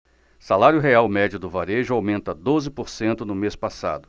salário real médio do varejo aumenta doze por cento no mês passado